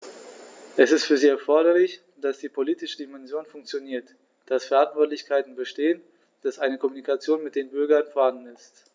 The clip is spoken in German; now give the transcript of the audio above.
Es ist für sie erforderlich, dass die politische Dimension funktioniert, dass Verantwortlichkeiten bestehen, dass eine Kommunikation mit den Bürgern vorhanden ist.